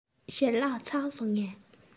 ཞལ ལག ཁ ལག མཆོད བཞེས ཚར སོང ངས